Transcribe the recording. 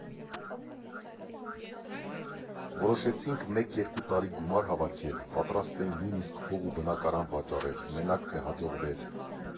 Որոշոցինք մեկ֊երկու տարի գումար հավաքել, պատրաստ էինք նույնիսկ հող ու բնակարան վաճառել, մենակ թե հաջողվեր։